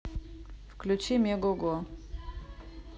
включи мегого